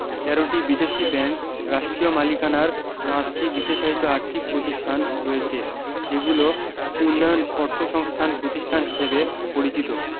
১৩টি বিদেশী ব্যাংক রাষ্ট্রীয় মালিকানার ৫টি বিশেষায়িত আর্থিক প্রতিষ্ঠান রয়েছে যেগুলো উন্নয়ন অর্থসংস্থান প্রতিষ্ঠান হিসেবে পরিচিত